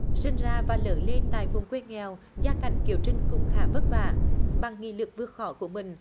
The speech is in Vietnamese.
sinh ra và lớn lên tại vùng quê nghèo gia cảnh kiều trinh cũng khá vất vả bằng nghị lực vượt khó của mình